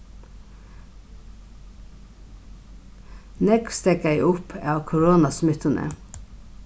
nógv steðgaði upp av koronasmittuni